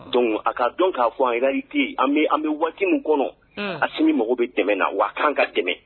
Donc a ka don k'a fɔ en réalité an bɛ waati min kɔnɔ, un, Asimi mago bɛ dɛmɛ na wa kan ka dɛmɛ.